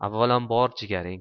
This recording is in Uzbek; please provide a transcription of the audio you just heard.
avvalambor jigaring